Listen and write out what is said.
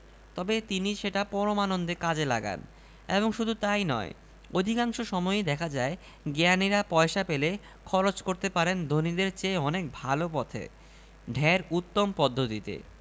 কাউকে মোক্ষম মারাত্মক অপমান করতে হলেও তারা ওই জিনিস দিয়েই করে মনে করুন আপনার সবচেয়ে ভক্তি ভালবাসা দেশের জন্য